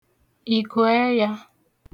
ikuẹya